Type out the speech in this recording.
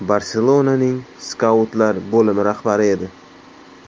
ning skautlar bo'limi rahbari edi